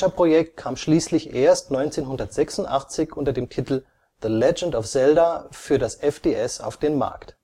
Adventure-Projekt kam schließlich erst Anfang 1986 unter dem Titel The Legend of Zelda für das FDS auf den Markt